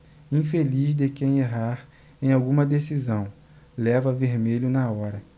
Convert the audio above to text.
infeliz de quem errar em alguma decisão leva vermelho na hora